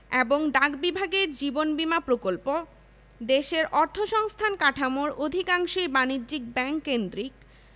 বাংলাদেশের পাললিক ভূগর্ভস্থ জলস্তরগুলো পৃথিবীর সর্বোৎকৃষ্টভূগর্ভস্থ জলধারগুলোর অন্যতম এখানকার প্লাবনভূমি এলাকায় অত্যল্প